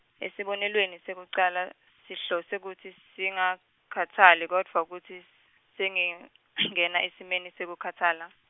Esibonelweni sekucala, sihlose kutsi singakhatsali kodvwa kutsi s-, sengingena esimeni sekukhatsala .